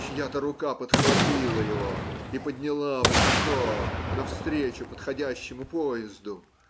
чья-то рука подхватила его и подняла высоко навстречу подходящему поезду.